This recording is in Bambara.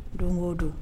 Don go don.